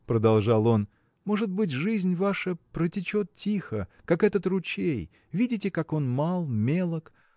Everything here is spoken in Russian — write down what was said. – продолжал он, – может быть, жизнь ваша протечет тихо, как этот ручей видите, как он мал, мелок